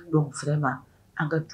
Don fɛrɛ ma an ka